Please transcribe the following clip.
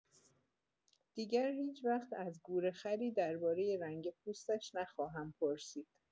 دیگر هیچوقت از گورخری، دربارۀ رنگ پوستش نخواهم پرسید!